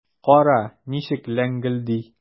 Кара, ничек ләңгелди!